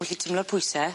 Wi allu tymlo'r pwyse.